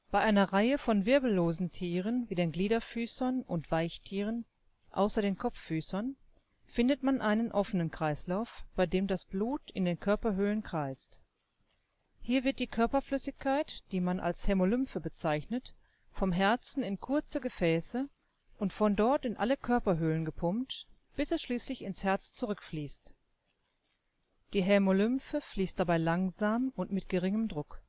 einer Reihe von wirbellosen Tieren wie den Gliederfüßern und Weichtieren (außer den Kopffüßern) findet man einen offenen Kreislauf, bei dem das Blut in den Körperhöhlen kreist. Hier wird die Körperflüssigkeit, die man als Hämolymphe bezeichnet, vom Herzen in kurze Gefäße und von dort in alle Körperhöhlen gepumpt, bis es schließlich ins Herz zurückfließt. Die Hämolymphe fließt dabei langsam und mit geringem Druck